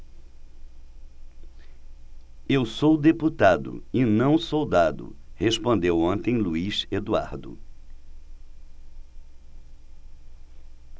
eu sou deputado e não soldado respondeu ontem luís eduardo